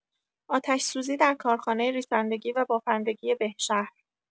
آتش‌سوزی در کارخانه ریسندگی و بافندگی بهشهر